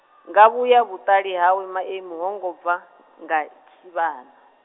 nga vhu ya vhuṱali hawe Maemu ho ngo bva, nga tshivhana.